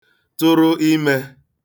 tụrụ imē